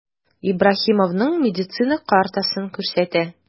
Ибраһимовның медицина картасын күрсәтә.